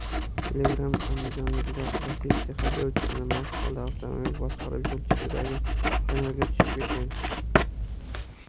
telegram andijonliklar lacetti haydovchisi mast holda avtomobil boshqarib yo'l chetidagi kanalga tushib ketgan